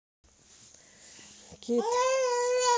кит